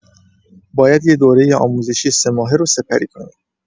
باید یه دوره آموزشی سه‌ماهه رو سپری کنی.